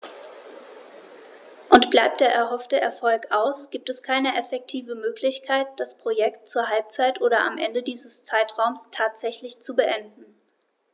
Und bleibt der erhoffte Erfolg aus, gibt es keine effektive Möglichkeit, das Projekt zur Halbzeit oder am Ende dieses Zeitraums tatsächlich zu beenden.